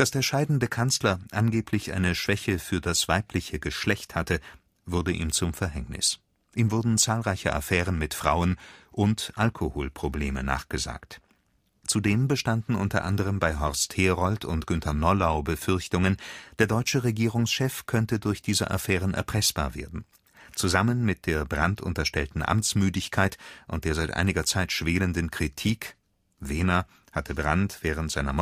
der scheidende Kanzler angeblich eine Schwäche für das weibliche Geschlecht hatte, wurde ihm zum Verhängnis. Ihm wurden zahlreiche Affären mit Frauen und Alkoholprobleme nachgesagt. Zudem bestanden unter anderem bei Horst Herold und Günther Nollau Befürchtungen, der deutsche Regierungschef könnte durch diese Affären erpressbar werden. Zusammen mit der Brandt unterstellten Amtsmüdigkeit und der seit einiger Zeit schwelenden Kritik – Wehner hatte Brandt während seiner